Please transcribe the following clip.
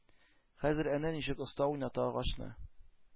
Хәзер әнә ничек оста уйната агачны,